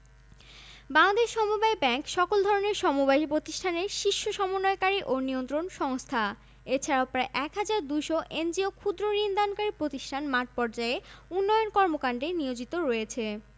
Pleistocene Dupi Tila বালুকাস্তর ভূগর্ভস্থ জলস্তরের ভূমিকা পালন করে পার্বত্য এলাকায় ভূগর্ভস্থ জলস্তরের ভূমিকা পালন করে প্লাইসটোসিন টিপাম বালুকাস্তর